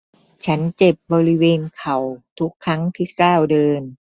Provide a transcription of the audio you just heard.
ฉันเจ็บบริเวณเข้าทุกครั้งที่ก้าวเดิน